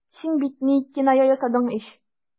Син бит... ни... киная ясадың ич.